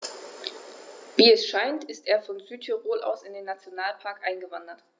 Wie es scheint, ist er von Südtirol aus in den Nationalpark eingewandert.